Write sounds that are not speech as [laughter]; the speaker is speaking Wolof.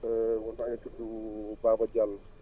[hesitation] man maa ngi tudd [hesitation] Baba Diallo